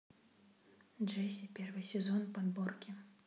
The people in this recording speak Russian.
джесси первый сезон подборки